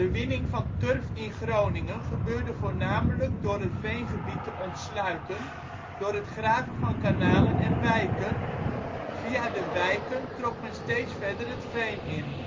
winning van turf in Groningen gebeurde voornamelijk door het veengebied te ontsluiten door het graven van kanalen en wijken Via de wijken trok men steeds verder het veen in